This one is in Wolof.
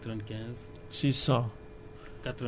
moom mu ngi ci 695